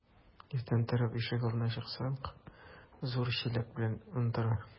Иртән торып ишек алдына чыксак, зур чиләк белән он тора.